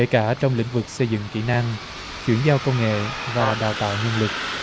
kể cả trong lĩnh vực xây dựng kỹ năng chuyển giao công nghệ và đào tạo nhân lực